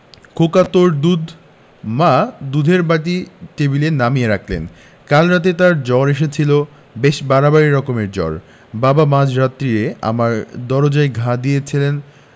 খোকা তোর দুধ মা দুধের বাটি টেবিলে নামিয়ে রাখলেন কাল রাতে তার জ্বর এসেছিল বেশ বাড়াবাড়ি রকমের জ্বর বাবা মাঝ রাত্তিরে আমার দরজায় ঘা দিয়েছিলেন